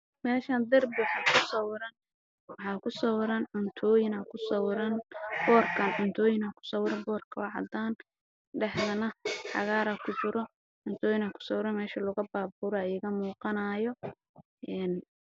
Heshaan waxaa ka muuqda boor waxaa ku sawiran cuntooyin raashin iyo waxyaabo kala duwan boorka midigtiisa waa cadaan iyo buluug